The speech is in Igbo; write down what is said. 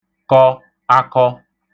kọ (akọ)